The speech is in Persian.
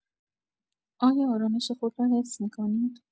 آیا آرامش خود را حفظ می‌کنید؟